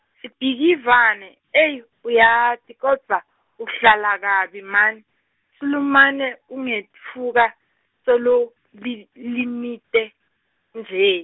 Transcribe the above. sibhikivane eyi uyati kodvwa uhlala kabi man-, Sulumane ungetfuka solo- li- -limete nje.